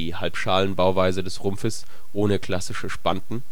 Halbschalenbauweise des Rumpfes ohne klassische Spanten